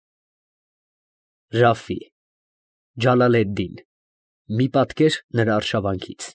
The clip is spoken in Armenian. Րաֆֆի Ջալալեդդին մի պատկեր նրա արշավանքից։